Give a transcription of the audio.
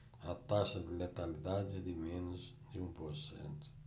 a taxa de letalidade é de menos de um por cento